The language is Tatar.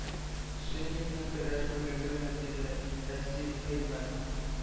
«шинник»ның көрәш бүлеге мөдире расиф гыйльманов